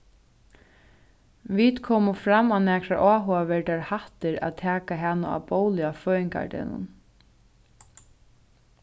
vit komu fram á nakrar áhugaverdar hættir at taka hana á bóli á føðingardegnum